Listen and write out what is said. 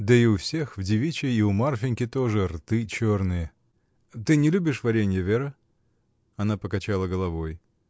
Да и у всех в девичьей, и у Марфиньки тоже, рты черные. Ты не любишь варенья, Вера? Она покачала головой.